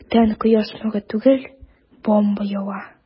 Күктән кояш нуры түгел, бомба ява.